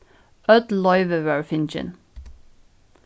øll loyvi vóru fingin